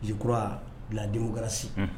Zikura biladenw kɛrasi